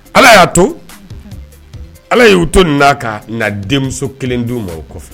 Ala y'a to ala y' u to n' aa ka na denmuso kelen di u ma o kɔfɛ